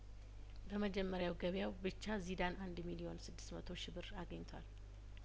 በመጀመሪያው ገበያው ብቻ ዚዳን አንድ ሚሊዮን ስድስት መቶ ሺ ብር አግኝቷል